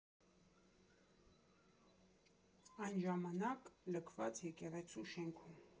Այն ժամանակ՝ լքված եկեղեցու շենքում։